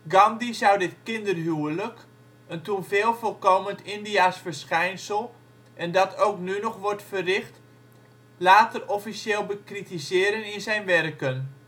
Gandhi zou dit kinderhuwelijk, een toen veel voorkomend Indiaas verschijnsel en dat ook nu nog wordt verricht, later officieel bekritiseren in zijn werken